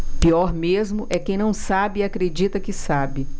pior mesmo é quem não sabe e acredita que sabe